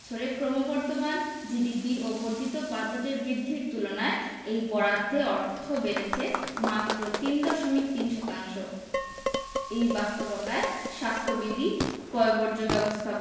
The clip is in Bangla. গত ছয় বছরে ক্রমবর্ধমান জিডিপি ও বর্ধিত বাজেটের বৃদ্ধির তুলনায় এই বরাদ্দে অর্থ বেড়েছে মাত্র তিন দশমিক তিন শতাংশ এই বাস্তবতায় স্বাস্থ্যবিধি